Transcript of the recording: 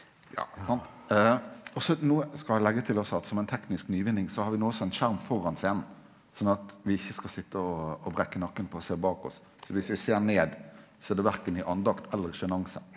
ja sant og så no skal eg legge til også at som ein teknisk nyvinning så har vi nå ein sånn skjerm føre scenen sånn at vi ikkje skal sitte og brekke nakken på å sjå bak oss, så viss vi ser ned så er det verken i andakt eller i sjenanse.